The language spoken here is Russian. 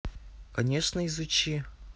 конечно изучи